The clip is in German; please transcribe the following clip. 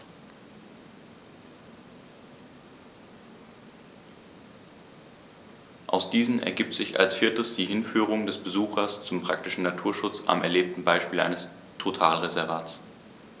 Aus diesen ergibt sich als viertes die Hinführung des Besuchers zum praktischen Naturschutz am erlebten Beispiel eines Totalreservats.